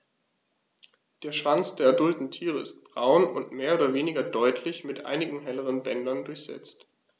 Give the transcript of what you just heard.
Der Schwanz der adulten Tiere ist braun und mehr oder weniger deutlich mit einigen helleren Bändern durchsetzt.